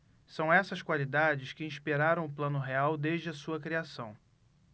são essas qualidades que inspiraram o plano real desde a sua criação